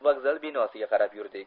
vokzal binosiga qarab yurdik